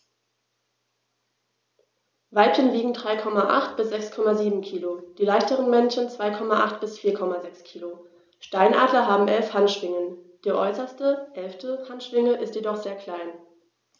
Weibchen wiegen 3,8 bis 6,7 kg, die leichteren Männchen 2,8 bis 4,6 kg. Steinadler haben 11 Handschwingen, die äußerste (11.) Handschwinge ist jedoch sehr klein.